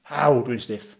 Aw, dwi'n stiff.